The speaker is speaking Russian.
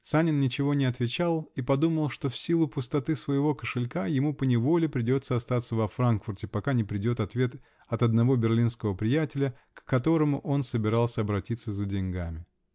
Санин ничего не отвечал и подумал, что в силу пустоты своего кошелька ему поневоле придется остаться во Франкфурте, пока не придет ответ от одного берлинского приятеля, к которому он собирался обратиться за деньгами.